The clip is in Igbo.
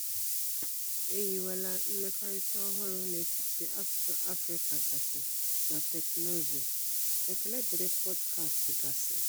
E hiwela mmekọrita ọhụrụ n'etiti asụsụ Afrịka gasị na teknụzụ, ekele diri pọdụkastị gasị.